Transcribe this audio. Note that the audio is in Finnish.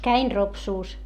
kävin Ropsussa